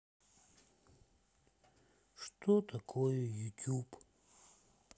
что такое ютуб